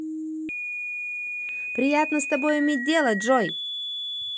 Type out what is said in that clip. приятно с тобой иметь дело джой